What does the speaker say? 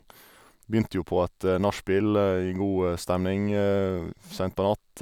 Begynte jo på et nachspiel i god stemning sent på natt.